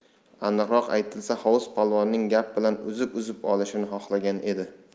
aniqroq aytilsa hovuz polvonning gap bilan uzib uzib olishini xohlagan edi